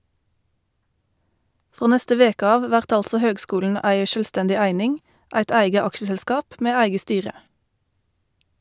Frå neste veke av vert altså høgskulen ei sjølvstendig eining, eit eige aksjeselskap med eige styre.